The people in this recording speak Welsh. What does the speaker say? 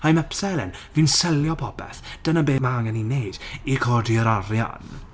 I'm upselling. Fi'n selio popeth. Dyna be mae angen ni wneud i codi'r arian.